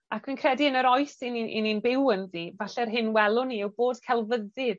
Ac rwy'n credu yn yr oes 'yn ni'n 'yn ni'n byw ynddi falle'r hyn welwn ni yw bod celfyddyd